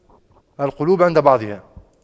القلوب عند بعضها